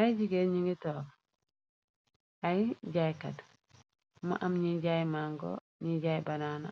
ay jigéen ñu ngi toog ay jaaykat mo am ñiy jaay màngo ñiy jaay banaana